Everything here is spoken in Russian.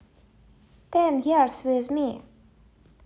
ten years with me